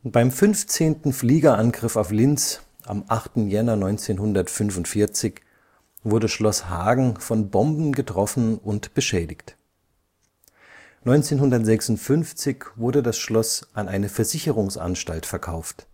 Beim fünfzehnten Fliegerangriff auf Linz am 8. Jänner 1945 wurde Schloss Hagen von Bomben getroffen und beschädigt. 1956 wurde das Schloss an eine Versicherungsanstalt verkauft